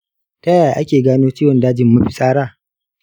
ta yaya ake gano ciwon dajin mafitsara?